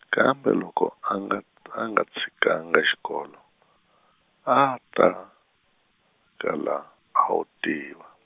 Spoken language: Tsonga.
kambe loko a nga a nga tshikanga xikolo, a a ta, kala a wu tiva.